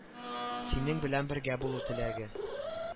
Синең белән бергә булу теләге